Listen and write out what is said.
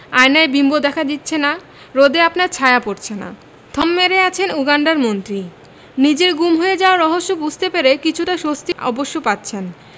আয়নায় বিম্ব দেখা দিচ্ছে না রোদে আপনার ছায়া পড়ছে না... থম মেরে আছেন উগান্ডার মন্ত্রী নিজের গুম হয়ে যাওয়ার রহস্য বুঝতে পেরে কিছুটা স্বস্তি অবশ্য পাচ্ছেন